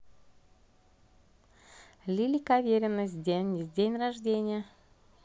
lily каверина с день рождения